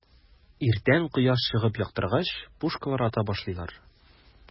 Иртән кояш чыгып яктыргач, пушкалар ата башлыйлар.